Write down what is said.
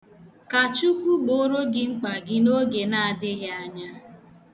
Ka Chukwu gboro gị mkpa gị n'oge na adịghị anaya.